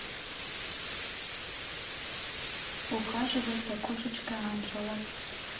ухаживать за кошечкой анжелой